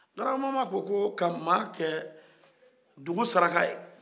garabamama ko ka maa kɛ dugu saraka ye